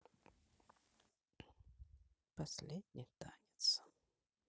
последний танец